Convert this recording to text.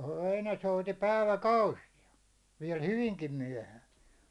voi ne souti päiväkausia vielä hyvinkin myöhään